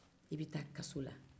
i bɛ taa kaso la